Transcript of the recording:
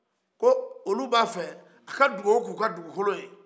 ko olu bɛ a fɛ a ka dugawu kɛ olu ka dugukolo ye